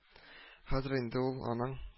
Хәзер инде ул аның